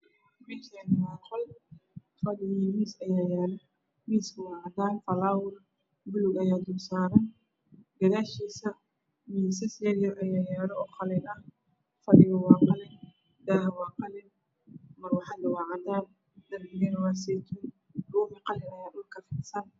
Meeshaan waa qol fadhi yariisa ayaa yaalo. miisku waa cadaan falaawar madow ayaa dulsaaran. Gadaasheesa miisas yaryar ah ayaa yaalo oo qalin ah fadhigu waa qalin. Daaha waa qalin. Marawaxadu waa cadaan darbiguna Waa seytuun. Buug iyo qalin ayaa dhulka yaalo.